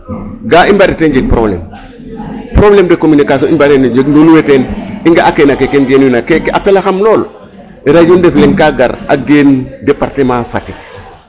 Ga'aa i mbaratee njeg problème problème de communication i mbariran o njeg nuun weeke i nga'a keen ake nu ngeenuna keke a felaxam lool rew we Ndef Leng ka gar a gen Departement Fatick.